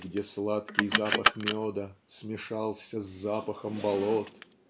"где сладкий запах меда смешался с запахом болот"